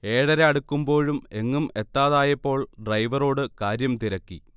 ഏഴര അടുക്കുമ്പോഴും എങ്ങും എത്താതായപ്പോൾ ഡ്രൈവറോട് കാര്യം തിരക്കി